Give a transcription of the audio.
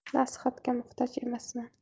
nasihatga muhtoj emasman